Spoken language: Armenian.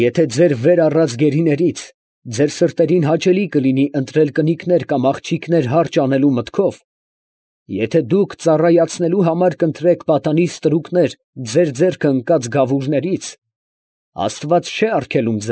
Եթե ձեր վեր առած գերիներից՝ ձեր սրտերին հաճելի կլինի ընտրել կնիկներ կամ աղջիկներ հարճ անելու մտքով, եթե դուք ծառայացնելու համար կընտրեք պատանի ստրուկներ ձեր ձեռքը ընկած գավուրներից, աստված չէ արգելում։